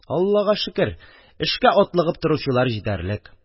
Аллага шөкер, эшкә атлыгып торучылар җитәрлек